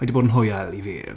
Mae 'di bod yn hwyl i fi.